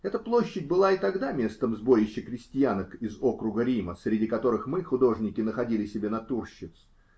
Эта площадь была и тогда местом сборища крестьянок из округа Рима, среди которых мы, художники, находили себе натурщиц.